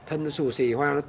thân nó xù xì hoa